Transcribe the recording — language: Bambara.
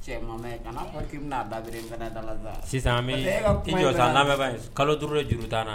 Dala sisan labɛn kalo duuru juru na